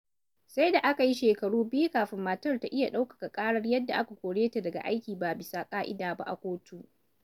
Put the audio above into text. Sai da aka yi shekaru biyu kafin matar ta iya ɗaukaka ƙarar yadda aka kore ta daga aiki ba bisa ƙa'ida ba a kotu.